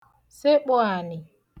sekpù ànị̀